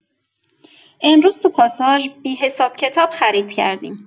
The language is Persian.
امروز تو پاساژ بی‌حساب کتاب خرید کردیم!